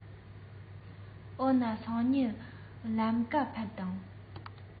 འོ ན སང ཉིན ལེན ག ཕེབས དང